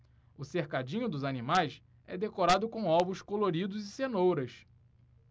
o cercadinho dos animais é decorado com ovos coloridos e cenouras